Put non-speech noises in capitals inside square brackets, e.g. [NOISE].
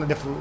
[HESITATION] [HESITATION]